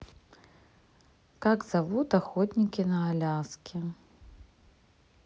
как зовут охотники на аляске